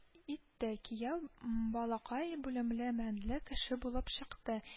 Итте, кияү м балакай белемле, мәнле кеше булып чыкты